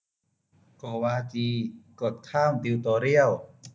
โกวาจีกดข้ามติวโตเรียล